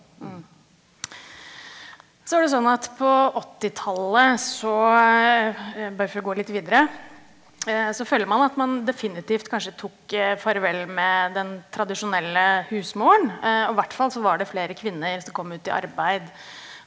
så var det sånn at på åttitallet så bare for å gå litt videre så føler man at man definitivt kanskje tok farvel med den tradisjonelle husmoren, og hvert fall så var det flere kvinner som kom ut i arbeid.